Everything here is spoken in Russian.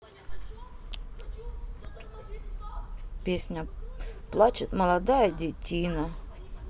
песня плачет молодая детина